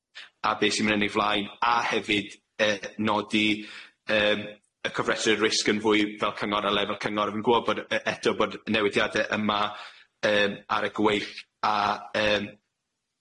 A be' sy'n myn' yn ei flaen a hefyd yy nodi yym y cofreswyr risg yn fwy fel cyngor a lefel cyngor fi'n gwel' bod yy eto bod newidiade yma yym ar y gweill a yym.